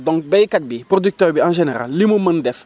donc béykat bi producteur bi en général li mu mën def